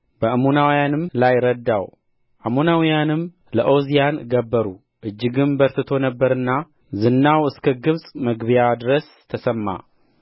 በምዑናውያንም ላይ ረዳው አሞናውያንም ለዖዝያን ገበሩ እጅግም በርትቶ ነበርና ዝናው እስከ ግብጽ መግቢያ ድረስ ተሰማ